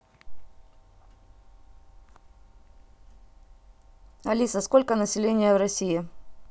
алиса а сколько населения в россии